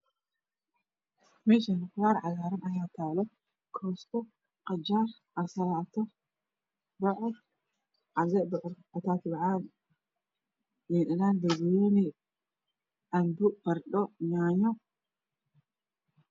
Meshan qudar cagar aya taalo kosto qajar asalato bocor batati macna liin dhanan barbaroni cambo bardho yaayo